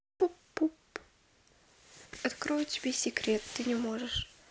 открою тебе секрет ты не можешь